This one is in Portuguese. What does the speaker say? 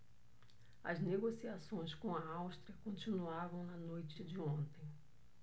as negociações com a áustria continuavam na noite de ontem